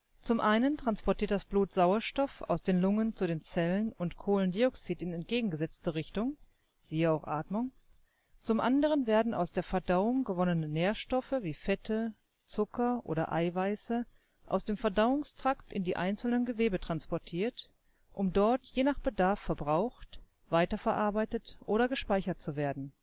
Zum einen transportiert das Blut Sauerstoff aus den Lungen zu den Zellen und Kohlendioxid in entgegengesetzter Richtung (siehe auch Atmung). Zum anderen werden aus der Verdauung gewonnene Nährstoffe wie Fette, Zucker oder Eiweiße aus dem Verdauungstrakt in die einzelnen Gewebe transportiert, um dort je nach Bedarf verbraucht, weiterverarbeitet oder gespeichert zu werden